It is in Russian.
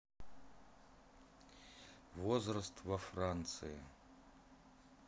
возраст во франции